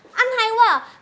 anh hay quá à